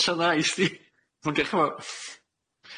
Ella nai i chdi. Dioch n fowr